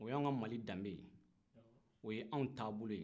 o y'an ka mali danbɛ ye o y'an taabolo ye